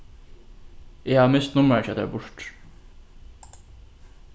eg havi mist nummarið hjá tær burtur